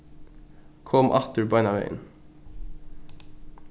kom aftur beinanvegin